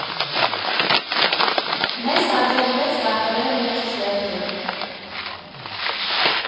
Մեզ հաջողվեց կատարել մեր չվերթը։